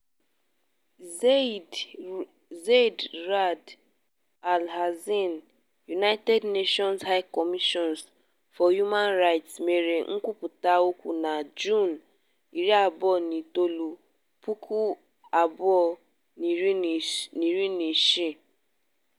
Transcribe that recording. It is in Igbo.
Zeid Ra'ad Al Hussein, United Nations High Commissioner for Human Rights, mere nkwupụta okwu na Juun 29, 2016.